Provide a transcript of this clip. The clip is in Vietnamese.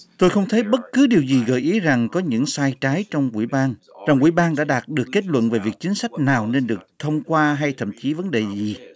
tôi không thấy bất cứ điều gì gợi ý rằng có những sai trái trong ủy ban trong ủy ban đã đạt được kết luận về việc chính sách nào nên được thông qua hay thậm chí vấn đề gì